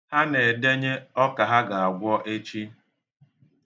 Ha na-edenye ọka ha ga-akwọ echi.